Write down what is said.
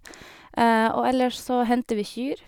Og ellers så henter vi kyr.